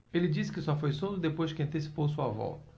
ele disse que só foi solto depois que antecipou sua volta